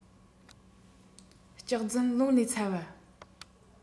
སྐྱག རྫུན རླུང ལས ཚ བ